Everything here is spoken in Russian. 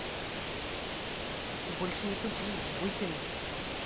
ты больше не тупи выкину